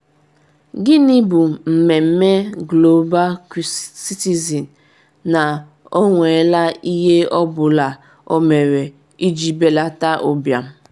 Gịnị bụ Mmemme Global Citizen, na Ọ nwela Ihe Ọ Bụla Ọ Mere Iji Belata Ụbịam?